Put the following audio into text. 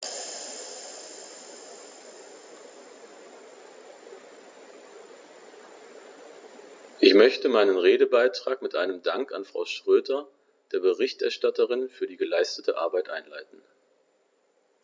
Ich möchte meinen Redebeitrag mit einem Dank an Frau Schroedter, der Berichterstatterin, für die geleistete Arbeit einleiten.